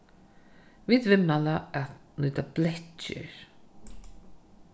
vit viðmæla at nýta bleytt ger